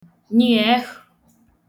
nyị ẹhụ̀